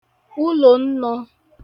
ulò nnọ̄